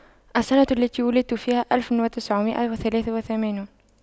السنة التي ولدت فيها ألف وتسعمئة وثلاث وثمانون